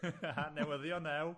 A newyddion ew.